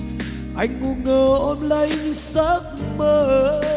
anh ngu ngơ ôm lấy những giấc mơ